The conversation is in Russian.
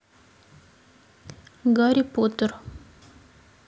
гарри поттер